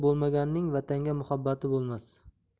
vatanga muhabbati bo'lmas